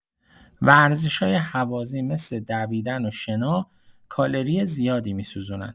ورزش‌های هوازی مثل دویدن و شنا، کالری زیادی می‌سوزونن.